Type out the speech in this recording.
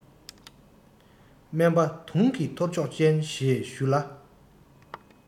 སྨན པ དུང གི ཐོར ཅོག ཅན ཞེས ཞུ ལ